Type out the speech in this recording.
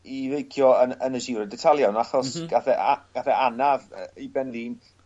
i feicio yn yn y Giro d'Italia on' achos... M-hm. ...gath e a- gath e anaf yy i ben-lin